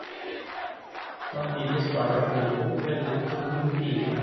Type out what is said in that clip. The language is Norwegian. Samtidig, Sparta Combo, veldig tung time.